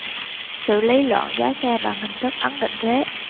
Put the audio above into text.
xử lý loạn giá xe bằng hình thức ấn định thuế